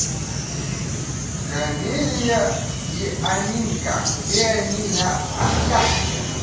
камелия и аминка где они на яхте